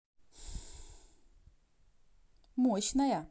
мощная